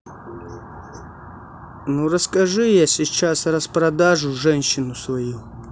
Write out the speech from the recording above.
ну расскажи я сейчас распродажу женщину свою